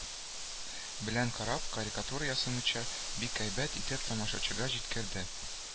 Белән карап, карикатура ясамыйча, бик әйбәт итеп тамашачыга җиткерде